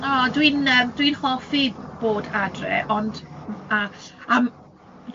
O, dwi'n yym dwi'n hoffi bod adre, ond a a m-